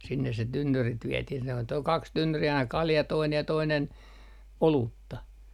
sinne se tynnyrit vietiin se on tuo oli kaksi tynnyriä aina kalja toinen ja toinen olutta